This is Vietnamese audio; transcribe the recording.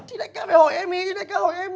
thì đại ca phải hỏi em ý đại ca hỏi em